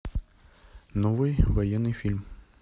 новый военный фильм